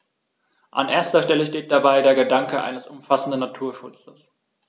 An erster Stelle steht dabei der Gedanke eines umfassenden Naturschutzes.